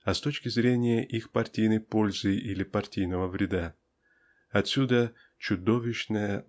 а с точки зрения их партийной пользы или партийного вреда отсюда--чудовищная